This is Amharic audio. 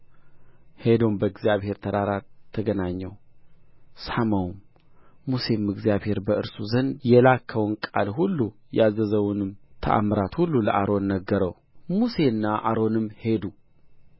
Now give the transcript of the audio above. ሄዶም በእግዚአብሔር ተራራ ተገናኘው ሳመውም ሙሴም እግዚአብሔር በእርሱ ዘንድ የላከውን ቃል ሁሉ ያዘዘውንም ተአምራት ሁሉ ለአሮን ተናገረው ሙሴና አሮንም ሄዱ